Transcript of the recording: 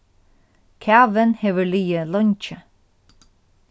kavin hevur ligið leingi